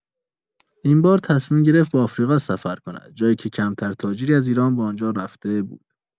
این بار تصمیم گرفت به آفریقا سفر کند، جایی که کمتر تاجری از ایران به آن‌جا رفته بود.